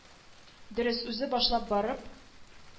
Дөрес үзе башлап барып